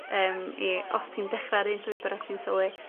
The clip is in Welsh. yym i os ti'n dechra ar un llwybyr a ti'n sylwi